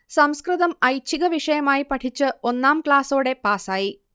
സംസ്കൃതം ഐച്ഛികവിഷയമായി പഠിച്ചു ഒന്നാം ക്ലാസ്സോടെ പാസ്സായി